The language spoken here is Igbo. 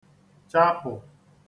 chapụ̀